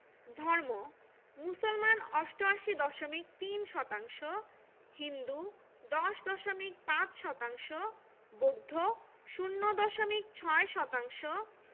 ধর্ম মুসলমান ৮৮দশমিক ৩ শতাংশ হিন্দু ১০দশমিক ৫ শতাংশ বৌদ্ধ ০ দশমিক ৬ শতাংশ